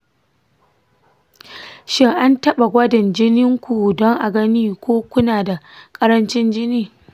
shin an taɓa gwada jinin ku don a gani ko kuna da ƙarancin jini?